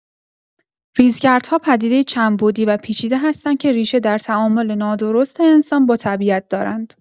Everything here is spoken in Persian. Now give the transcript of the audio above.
ریزگردها پدیده‌ای چندبعدی و پیچیده هستند که ریشه در تعامل نادرست انسان با طبیعت دارند.